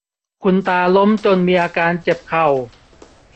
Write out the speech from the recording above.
คุณตาล้มจนมีอาการเจ็บเข่า